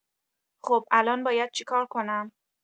خب الان باید چیکار کنم؟